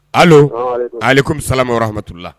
Hali ale komi salamahaurulila